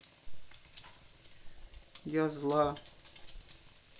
я зла